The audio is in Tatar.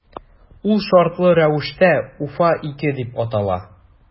Ул шартлы рәвештә “Уфа- 2” дип атала.